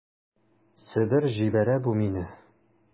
Себер җибәрә бу мине...